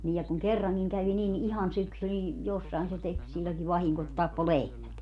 niin ja kun kerrankin kävi niin ihan syksy niin jossakin se teki silloinkin vahinko että tappoi lehmät